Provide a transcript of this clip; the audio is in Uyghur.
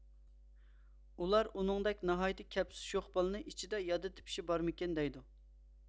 ئۇلار ئۇنىڭدەك ناھايتتى كەپسىز شوخ بالىنى ئىچىدە يادا تىپشى بارمىكىن دەيدۇ